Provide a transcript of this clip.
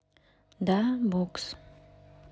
да бокс